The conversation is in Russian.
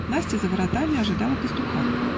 Настя за воротами ожидала пастуха.